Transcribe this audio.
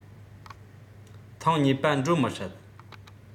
ཐེངས གཉིས པ འགྲོ མི སྲིད